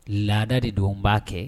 Laada de don b'a kɛ